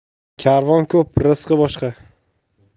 karvon ko'p rizqi boshqa